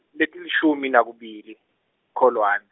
letilishumi nakubili, Kholwane.